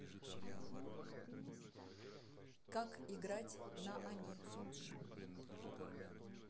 как играть на они